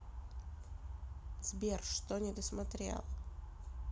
сбер что недосмотрел